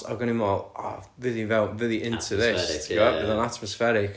ac o'n i'n meddwl "oh fydd hi fewn... fydd hi into this" Bydd o'n... atmospheric...bydd o'n atmospheric